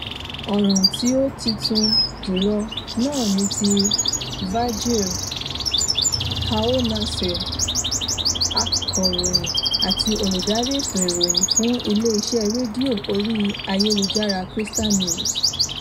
Ọ̀ràn tí ó tuntun jùlọ náà ni ti Virgile Ahouansè, akọ̀ròyìn àti olùdarí ètò ìròyìn fún ilé-iṣẹ́ rédíò orí ayélujára, Crystal News.